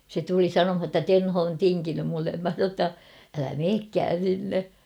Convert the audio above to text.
se tuli sanomaan jotta Tenho on tinkinyt minulle minä sanoin jotta älä menekään sinne